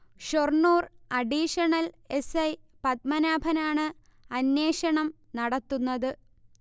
Shoranur additional S. I. പത്മനാഭനാണ് അന്വേഷണം നടത്തുന്നത്